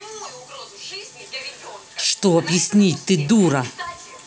что объяснить ты дура